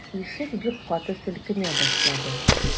Ишек бик каты селкенә башлады.